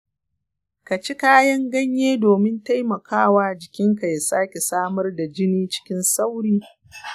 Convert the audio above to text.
ka ci kayan ganye domin taimaka wa jikinka ya sake samar da jini cikin sauri.